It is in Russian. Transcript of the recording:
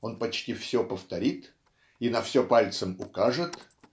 он почти все повторит и на все пальцем укажет